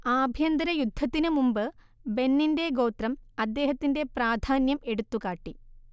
ആഭ്യന്തരയുദ്ധത്തിനുമുമ്പ് ബെന്നിന്റെ ഗോത്രം അദ്ദേഹത്തിന്റെ പ്രാധാന്യം എടുത്തുകാട്ടി